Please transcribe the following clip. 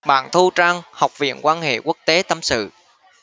bạn thu trang học viện quan hệ quốc tế tâm sự